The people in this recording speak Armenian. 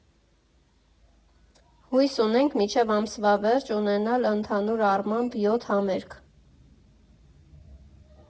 Հույս ունենք մինչև ամսվա վերջ ունենալ ընդհանուր առմամբ յոթ համերգ։